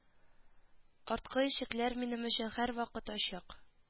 Арткы ишекләр минем өчен һәрвакыт ачык